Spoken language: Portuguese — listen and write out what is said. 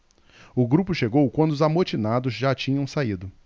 o grupo chegou quando os amotinados já tinham saído